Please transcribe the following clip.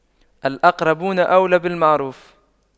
الأقربون أولى بالمعروف